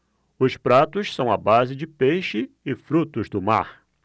os pratos são à base de peixe e frutos do mar